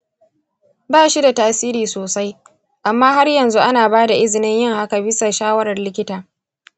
ba shi da tasiri sosai, amma har yanzu ana ba da izinin yin hakan bisa shawarar likita.